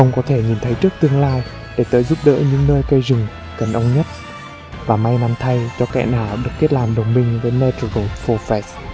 ông có thể thấy trước tương lai để tới giúp đỡ những nơi rừng cây cần ông nhất và may mắn thay cho kẻ nào được kết làm đồng minh với nature's prophet